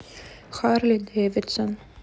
харли дэвидсон